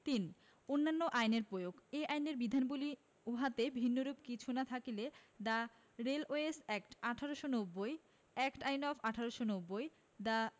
৩ অন্যান্য আইনের প্রয়োগঃ এই আইনের বিধানবলী উহাতে ভিন্নরূপ কিছু না থাকিলে the railways act ১৮৯০ act nine of ১৮৯০ the